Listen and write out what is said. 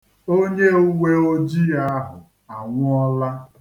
Onyeuweojii ahụ anwuọla.